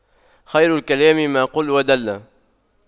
خير الكلام ما قل ودل